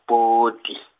-poti.